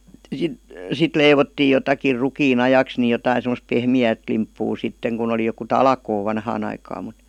sitten sitten leivottiin jotakin rukiin ajaksi niin jotakin semmoista pehmeää limppua sitten kun oli joku talkoo vanhaan aikaan mutta